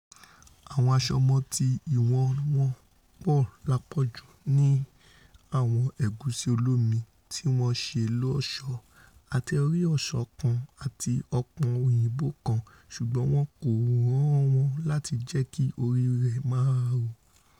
Àwọn àṣomọ tí ìwọ̀n wọn pọ̀ lápọ̀jù ní àwọn ẹ̀gúsí-olómi tíwọ́n ṣe lọ́ọ̀ṣọ́, ate-orí oṣó kan àti ọ̀pọ̀n-òyìnbó kan - ṣùgbọ́n wọn kò rán wọn láti jẹ́kí ori rẹ móooru.